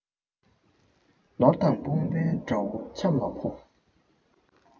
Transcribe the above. ནོར དང དཔུང གིས དགྲ བོ ཆམ ལ ཕོབ